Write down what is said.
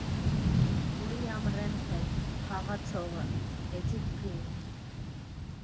Ուիլյամ Ռեմփել, «Խաղացողը», Էդիթ Պրինտ։